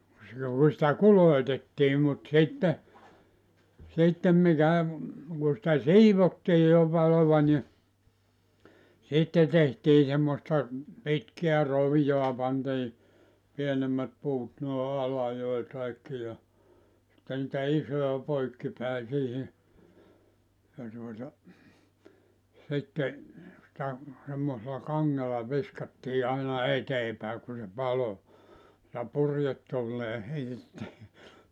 silloin kun sitä kulotettiin mutta sitten sitten mikä kun sitä siivottiin jo paloa niin sitten tehtiin semmoista pitkää roviota pantiin pienemmät puut noin alajoihin kaikki ja sitten niitä isoja poikki päin siihen ja tuota sitten sitä semmoisella kangella viskattiin aina eteen päin kun se paloi ja purjetuuleen heitettiin